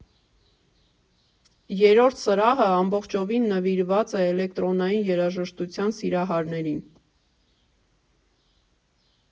Երրորդ սրահը ամբողջովին նվիրված է էլեկտրոնային երաժշտության սիրահարներին։